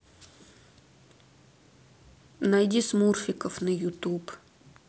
найди смурфиков на ютуб